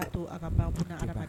Ka ban ka ala